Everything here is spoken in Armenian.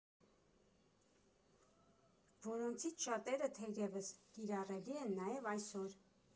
Որոնցից շատերը թերևս կիրառելի են նաև այսօր։